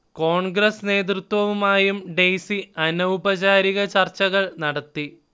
കോൺഗ്രസ് നേതൃത്വവുമായും ഡെയ്സി അനൗപചാരിക ചർച്ചകൾ നടത്തി